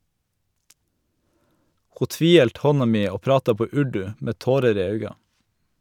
Ho tviheldt handa mi og prata på urdu, med tårer i auga.